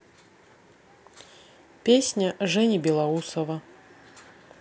песня жени белоусова